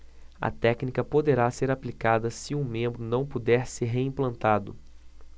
a técnica poderá ser aplicada se o membro não puder ser reimplantado